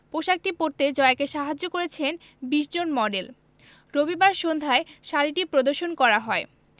পোশাকটি পরতে জয়াকে সাহায্য করেছেন ২০ জন মডেল রবিবার সন্ধ্যায় শাড়িটি প্রদর্শন করা হয়